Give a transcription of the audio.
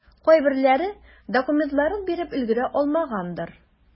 Кайберләре документларын биреп өлгерә алмагандыр.